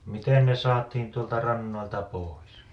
miten ne saatiin tuolta rannoilta pois